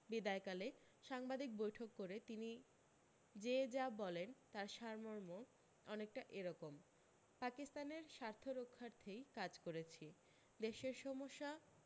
বিদায় কালে সাংবাদিক বৈঠক করে তিনি যে যা বলেন তার সারমর্ম অনেকটা এরকম পাকিস্তানের স্বার্থ রক্ষার্থেই কাজ করেছি দেশের সমস্যা